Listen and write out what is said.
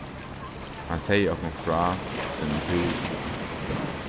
hann segði okkum frá sínum túri